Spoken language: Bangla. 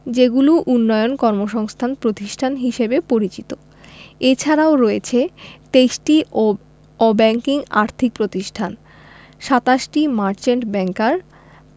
যেগুলো উন্নয়ন অর্থসংস্থান প্রতিষ্ঠান হিসেবে পরিচিত এছাড়াও রয়েছে ২৩টি অব্যাংকিং আর্থিক প্রতিষ্ঠান ২৭টি মার্চেন্ট ব্যাংকার